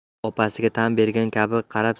u opasiga tan bergan kabi qarab